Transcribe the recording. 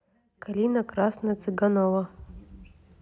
калина красная циганова